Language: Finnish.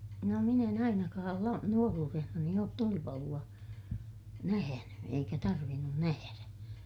no minä en ainakaan - nuoruudessani ole tulipaloa nähnyt eikä tarvinnut nähdä